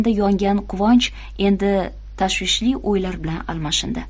yongan quvonch endi tashvishli o'ylar bilan almashindi